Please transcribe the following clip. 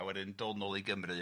a wedyn dod nôl i Gymru.